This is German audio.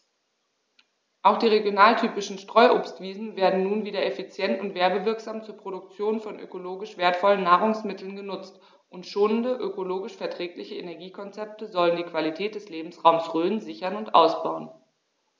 Auch die regionaltypischen Streuobstwiesen werden nun wieder effizient und werbewirksam zur Produktion von ökologisch wertvollen Nahrungsmitteln genutzt, und schonende, ökologisch verträgliche Energiekonzepte sollen die Qualität des Lebensraumes Rhön sichern und ausbauen.